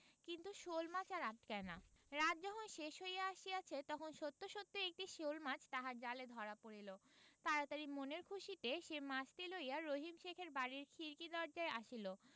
কিন্তু শোলমাছ আর আটকায় না রাত যখন শেষ হইয়া আসিয়াছে তখন সত্য সত্যই একটি শোলমাছ তাহার জালে ধরা পড়িল তাড়াতাড়ি মনের খুশীতে সে মাছটি লইয়া রহিম শেখের বাড়ির খিড়কি দরজায় আসিল